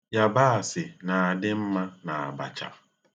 Yabaasị na-adị mma n'abacha.